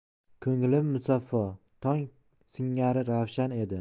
ko'nglim musaffo tong singari ravshan edi